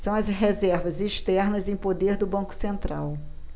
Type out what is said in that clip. são as reservas externas em poder do banco central